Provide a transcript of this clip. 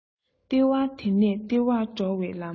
ལྟེ བ དེ ནས ལྟེ བར འགྲོ བའི ལམ